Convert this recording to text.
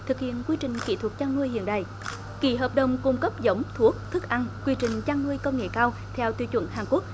thực hiện quy trình kỹ thuật chăn nuôi hiện đại kỳ hợp đồng cung cấp giống thuốc thức ăn quy trình chăn nuôi công nghệ cao theo tiêu chuẩn hàn quốc